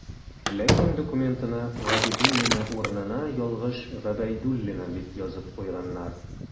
Ләкин документына «Габидуллина» урынына ялгыш «Гобәйдуллина» дип язып куйганнар.